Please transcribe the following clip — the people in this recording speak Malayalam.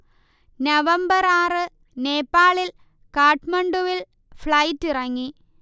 നവംബർ ആറ് നേപ്പാളിൽ കാഠ്മണ്ഡുവിൽ ഫ്ളൈറ്റ് ഇറങ്ങി